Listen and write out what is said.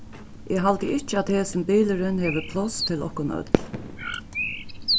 eg haldi ikki at hesin bilurin hevur pláss til okkum øll